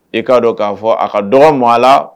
I k'a don k'a fɔ a ka dɔgɔ mɔ a la